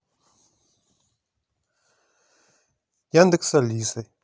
яндекс с алисой